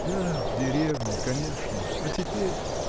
– Да, в деревне, конечно; а теперь.